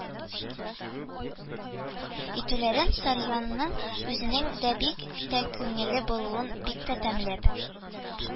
Итүләрен, сарьянның үзенең дә бик тә күңеле булуын бик тә тәмләп